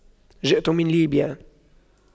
جئت من ليبيا